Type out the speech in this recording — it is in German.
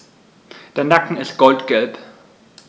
Der Nacken ist goldgelb.